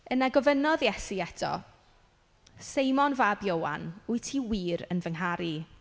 Yna gofynnodd Iesu eto Seimon fab Ioan, wyt ti wir yn fy ngharu i?